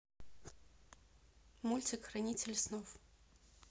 мультик хранители снов